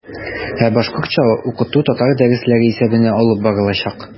Ә башкортча укыту татар дәресләре исәбенә алып барылачак.